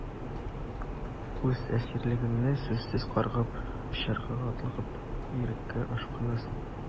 Үз әсирлегеңне сүзсез каргап, очарга атлыгып, иреккә ашкынасың...